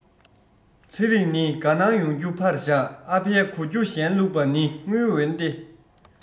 ཚེ རིང ནི དགའ སྣང ཡོང རྒྱུ ཕར བཞག ཨ ཕའི གོ རྒྱུ གཞན བླུག པ ནི དངུལ འོན ཏེ